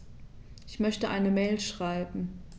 Ich möchte eine Mail schreiben.